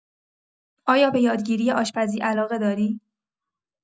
آیا به یادگیری آشپزی علاقه داری؟